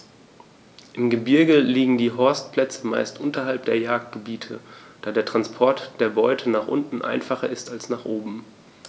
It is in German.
Im Gebirge liegen die Horstplätze meist unterhalb der Jagdgebiete, da der Transport der Beute nach unten einfacher ist als nach oben.